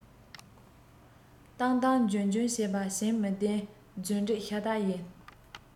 བཏང བཏང འཇོན འཇོན ཟེར བ བྱིངས མི བདེན རྫུན སྒྲིག ཤ སྟག ཡིན